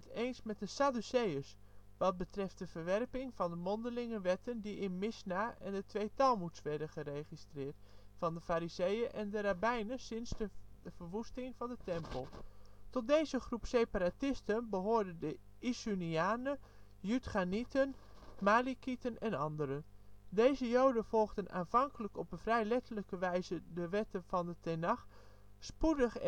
eens met de Sadduceeërs wat betreft de verwerping van de mondelinge wetten die in Misjna en de twee talmoeds werden geregistreerd, van de Farizeeërs en de rabbijnen sinds de verwoesting van de tempel. Tot deze groep separatisten behoorden de Isunianen, Judganieten, Malikieten en anderen. Deze joden volgden aanvankelijk op een vrij letterlijke wijzen de wetten van de Tenach. Spoedig